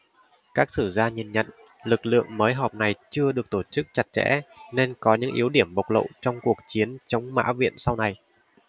các sử gia nhìn nhận lực lượng mới họp này chưa được tổ chức chặt chẽ nên có những yếu điểm bộc lộ trong cuộc chiến chống mã viện sau này